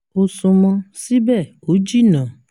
Ó súnmọ́, síbẹ̀ ó jìnà